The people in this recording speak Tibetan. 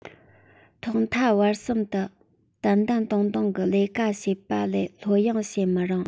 ཐོག མཐའ བར གསུམ དུ ཏན ཏན ཏིག ཏིག གིས ལས ཀ བྱེད པ ལས ལྷོད གཡེང བྱེད མི རུང